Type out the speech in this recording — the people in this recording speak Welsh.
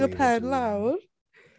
Y pen lawr.